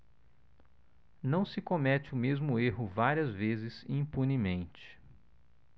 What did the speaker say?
não se comete o mesmo erro várias vezes impunemente